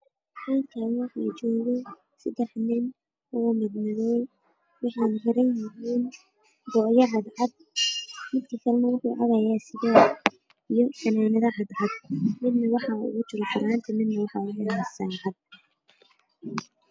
Waxaa ii muuqda saddex nin wataan dhar caddaan ah mid sigaar cabaayo dooda ugu xiran yahay meel ay fadhiyaan